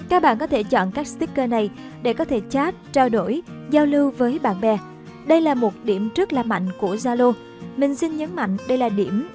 các bạn có thể chọn các sticker này để có thể chat trao đổi giao lưu với bạn bè đây là điểm rất là mạnh của zalo mình xin nhấn mạnh đây là điểm